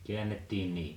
käännettiin niin